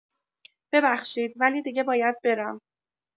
ببخشید، ولی دیگه باید برم.